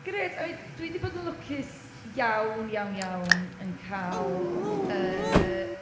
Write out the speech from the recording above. Grêt! I mean, dwi 'di bod yn lwcus iawn iawn iawn yn cael yy…